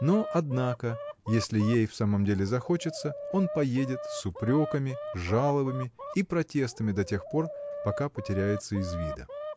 Но, однако, если ей в самом деле захочется, он поедет с упреками, жалобами и протестами до тех пор, пока потеряется из вида.